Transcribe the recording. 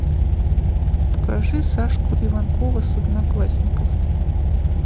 покажи сашку иванкова с одноклассников